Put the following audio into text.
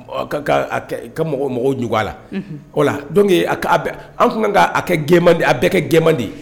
Ka mɔgɔw mɔgɔw ɲ a la o la dɔn k' an tun k' a kɛ gɛnman di a bɛɛ kɛ gɛnman de ye